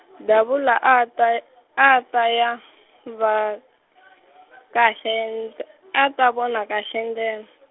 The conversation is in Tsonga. Davula a ta, a ta ya, va , kahle ndl-, a ta vona kahle ndlela.